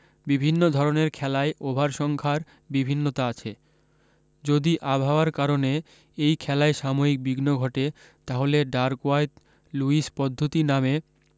বিভিন্ন ধরণের খেলায় ওভারসংখ্যার বিভিন্নতা আছে যদি আবহাওয়ার কারণে এই খেলায় সাময়িক বিঘ্ন ঘটে তাহলে ডাকওয়ার্থ লুইস পদ্ধতি নামে